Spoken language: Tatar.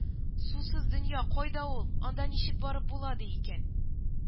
Сусыз дөнья кайда ул, анда ничек барып була- ди икән